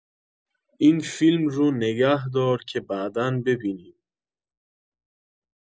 این فیلم رو نگه دار که بعدا ببینیم